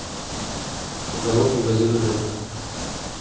каталог магазина лента